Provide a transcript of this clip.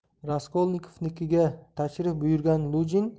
raskolnikovnikiga tashrif buyurgan lujin